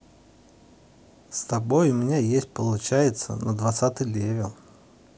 с тобой у меня есть получается на двадцатый левел